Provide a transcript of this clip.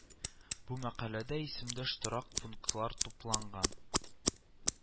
Бу мәкаләдә исемдәш торак пунктлар тупланган